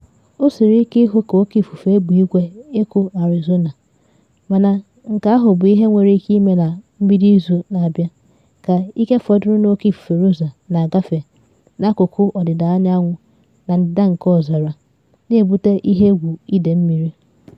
O siri ike ịhụ ka oke ifufe egbe-igwe ịkụ Arizona, mana nke ahụ bụ ihe nwere ike ịme na mbido izu na abịa ka ike fọdụrụ na Oke Ifufe Rosa na agafe n’akụkụ Ọdịda Anyanwụ na Ndịda nke Ọzara, na ebute ihe egwu ide mmiri.